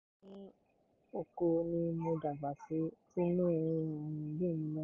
Ní oko ni mo dàgbà sí, tí mò ń ran àwọn òbí mi lọ́wọ́.